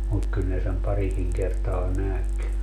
mutta kyllä ne sen parikin kertaa näki